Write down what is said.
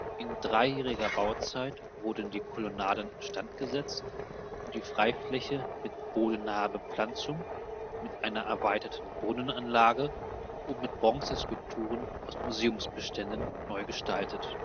In dreijähriger Bauzeit wurden die Kolonnaden instand gesetzt und die Freifläche mit bodennaher Bepflanzung, mit einer erweiterten Brunnenanlage und mit Bronzeskulpturen aus Museumsbeständen neu gestaltet